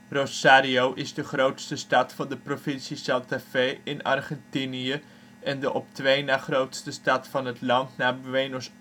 Rosario is de grootste stad van de provincie Santa Fe in Argentinië en de op twee na grootste stad van het land na Buenos